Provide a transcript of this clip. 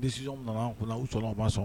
Ni sɔn nana u sɔrɔ u' sɔn